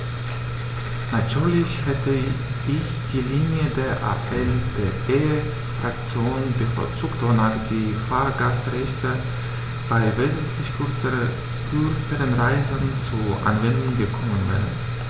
Natürlich hätte ich die Linie der ALDE-Fraktion bevorzugt, wonach die Fahrgastrechte bei wesentlich kürzeren Reisen zur Anwendung gekommen wären.